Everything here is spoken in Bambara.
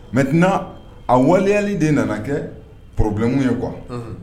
Mɛ tɛna a waleyali de nana kɛ porobubikun ye qu